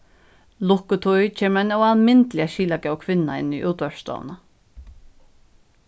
lukkutíð kemur ein óalmindiliga skilagóð kvinna inn í útvarpsstovuna